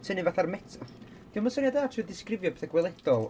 Tynnu fatha'r met- ... diom yn syniad da trio disgrifio pethau gweledol...